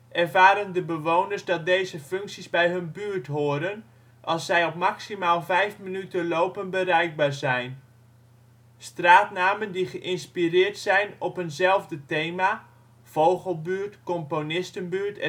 ervaren de bewoners dat deze functies bij hun buurt horen als zij op maximaal vijf minuten lopen bereikbaar zijn (Clarence Perry, 1929) Straatnamen die geïnspireerd zijn op eenzelfde thema (vogelbuurt, componistenbuurt